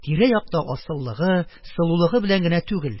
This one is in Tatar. Тирә-якта асыллыгы, сылулыгы белән генә түгел,